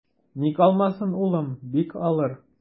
Ник алмасын, улым, бик алыр.